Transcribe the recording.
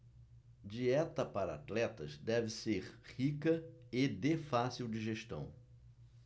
dieta para atletas deve ser rica e de fácil digestão